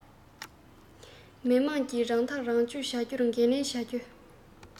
མི དམངས ཀྱིས རང ཐག རང གཅོད བྱ རྒྱུར འགན ལེན བྱ རྒྱུ